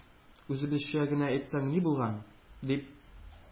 Үзебезчә генә әйтсәң ни булган? - дип,